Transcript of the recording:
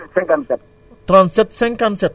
waaw du 67 de 37 54